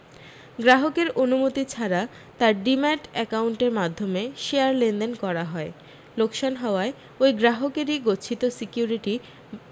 গ্রাহকের অনুমতি ছাড়া তাঁর ডিম্যাট অ্যাকাউন্টের মাধ্যমে শেয়ার লেনদেন করা হয় লোকসান হওয়ায় ওই গ্রাহকেরি গচ্ছিত সিকিউরিটি